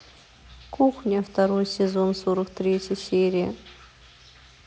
кухня второй сезон сорок третья серия